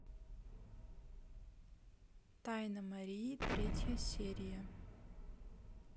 тайна марии третья серия